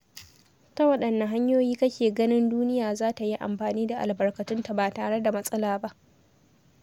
Ta waɗanne hanyoyi kake ganin duniya za ta yi amfani da albarkatunta ba tare da matsala ba?